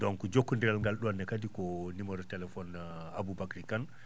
donc jokkonndiral ngal ?on ne kadi ko numéro téléphone Aboubacry Kane